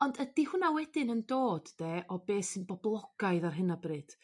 Ond ydi hwnna wedyn yn dod 'de o be' sy'n boblogaidd ar hyn o bryd?